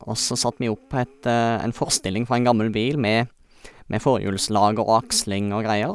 Og så satt vi opp et en forstilling fra en gammel bil, med med forhjulslager og aksling og greier.